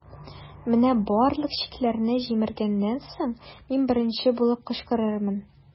Менә барлык чикләрне җимергәннән соң, мин беренче булып кычкырырмын.